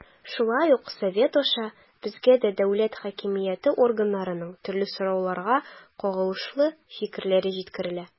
Шулай ук Совет аша безгә дә дәүләт хакимияте органнарының төрле сорауларга кагылышлы фикерләре җиткерелә.